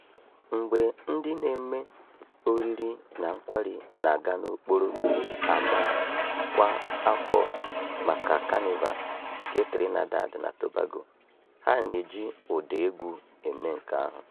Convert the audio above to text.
Mgbe ndị na-eme oriri na nkwari na-aga n'okporo ama kwa afọ maka Kanịva nke Trinidad na Tobago, ha na-eji ụda egwu eme nke ahụ.